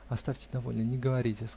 -- Оставьте, довольно, не говорите.